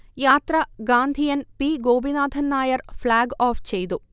യാത്ര Gandhian P Gopinathan Nair flag off ചെയ്തു